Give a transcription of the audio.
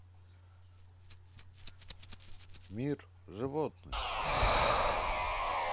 мир животных